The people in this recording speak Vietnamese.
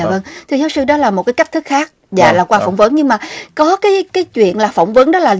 dạ vâng thưa giáo sư đó là một cách thức khác giả là qua phỏng vấn nhưng mà có cái cái chuyện là phỏng vấn đó là